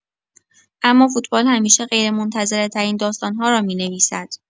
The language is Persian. اما فوتبال همیشه غیرمنتظره‌ترین داستان‌ها را می‌نویسد.